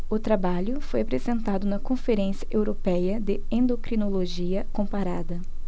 o trabalho foi apresentado na conferência européia de endocrinologia comparada